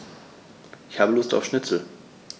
Ich habe Lust auf Schnitzel.